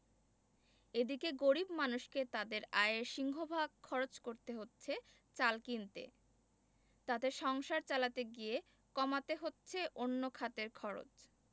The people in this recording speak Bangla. এদিকে গরিব মানুষকে তাঁদের আয়ের সিংগভাগ খরচ করতে হচ্ছে চাল কিনতে তাতে সংসার চালাতে গিয়ে কমাতে হচ্ছে অন্য খাতের খরচ